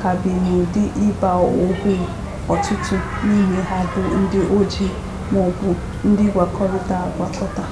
ka bi n'ụdị ịgba ohu, ọtụtụ n'ime ha bụ ndị ojii ma ọ bụ ndị gwakọtara agwakọta.